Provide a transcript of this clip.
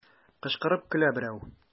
Кычкырып көлә берәү.